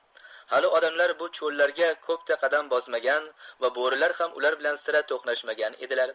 hali odamlar bu cho'llarga ko'pda qadam bosmagan va bo'rilar ham ular bilan sira to'qnashmagan edilar